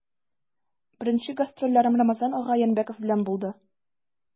Беренче гастрольләрем Рамазан ага Янбәков белән булды.